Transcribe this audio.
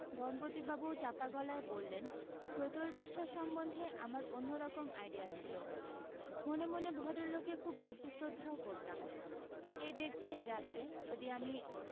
গণপতিবাবু চাপা গলায় বললেন প্রতুল বিশ্বাস সম্বন্ধে আমার অন্য রকম আইডিয়া ছিল মনে মনে ভদ্রলোককে খুব ভক্তিশরদ্ধাও করতাম কে দেখছে এই রাত্রে যদি আমি